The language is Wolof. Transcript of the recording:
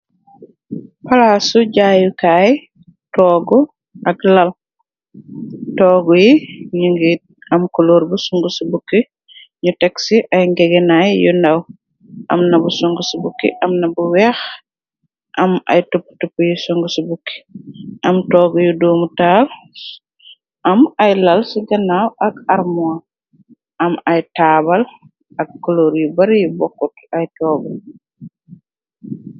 palaac su jaayukaay toogu ak lal. Toogu yi ñi ngi am koloor bu sungu ci bukki ñu teg ci ay ngeginaay yu ndaw. Am na bu sungu i bukki, am na bu weeh, am ay tupp tupp yi sungu ci bukki. Am toogg yu doomutaal, am ay lal ci ganaaw ak armon. Am ay taabal ak koloor yu bari yu bokkut ay toogu.